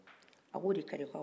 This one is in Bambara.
a ko de kadiye